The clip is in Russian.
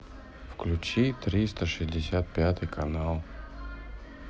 включи триста шестьдесят пятый канал